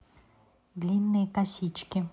длинные косички